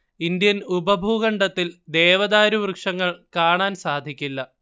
Indian ഉപഭൂഖണ്ഡത്തിൽ ദേവദാരു വൃക്ഷങ്ങൾ കാണാൻ സാധിക്കില്ല